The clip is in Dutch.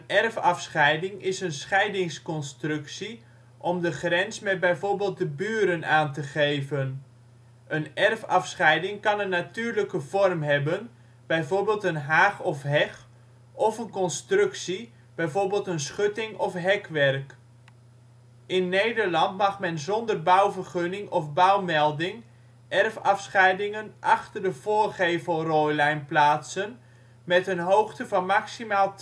erfafscheiding is een scheidingsconstructie om de grens met bijvoorbeeld de buren aan te geven. Een erfafscheiding kan een natuurlijke vorm hebben (bijvoorbeeld een haag of heg) of een constructie (bijvoorbeeld een schutting of een hekwerk). In Nederland mag men zonder bouwvergunning of bouwmelding erfafscheidingen achter de voorgevelrooilijn plaatsen met een hoogte van maximaal